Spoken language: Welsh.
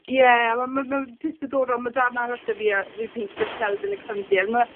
ie ma' ma' ma'n peth diddorol ma' darn arall 'da fi a fi'n peintio gyda seld yn y cefndir ma'